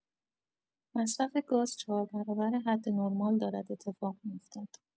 مصرف گاز ۴ برابر حد نرمال دارد اتفاق می‌افتد.